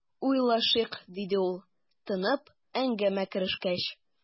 "уйлашыйк", - диде ул, тынып, әңгәмәгә керешкәч.